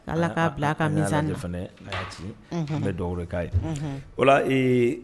Ni ala bila ka mi de fana ci n bɛ dɔgɔ de ka ye wala ee